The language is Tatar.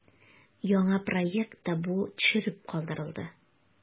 Яңа проектта бу төшереп калдырылды.